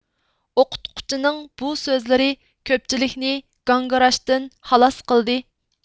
ئوقۇتقۇچىنىڭ بۇ سۆزلىرى كۆپچىلىكنى گاڭگىراشتىن خالاس قىلدى